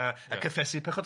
a cyffesu pechoda'.